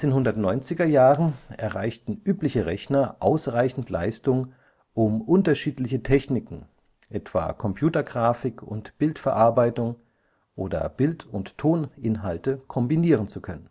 1990er Jahren erreichten übliche Rechner ausreichend Leistung, um unterschiedliche Techniken, etwa Computergrafik und Bildverarbeitung oder Bild - und Toninhalte, kombinieren zu können